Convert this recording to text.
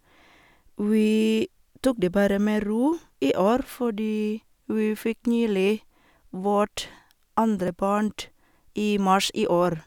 Vi tok det bare med ro i år, fordi vi fikk nylig vårt andre barn i mars i år.